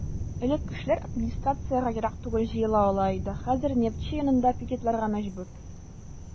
Элек кешеләр администрациягә ерак түгел җыела ала иде, хәзер "Нефтьче" янында пикетларга мәҗбүр.